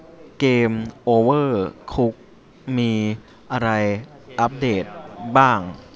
เกมโอเวอร์คุกมีอะไรอัปเดตบ้าง